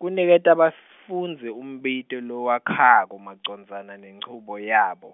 kuniketa baf- fundzi umbuto lowakhako macondzana nenchubo yabo,